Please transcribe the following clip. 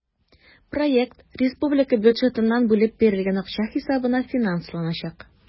Проект республика бюджетыннан бүлеп бирелгән акча хисабына финансланачак.